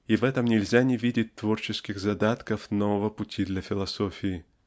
И в этом нельзя не видеть творческих задатков нового пути для философии.